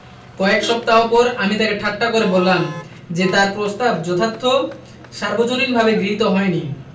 কয়েক সপ্তাহ পর আমি তাঁকে ঠাট্টা করে বললাম যে তাঁর প্রস্তাব যথার্থ সার্বজনীনভাবে গৃহীত হয়নি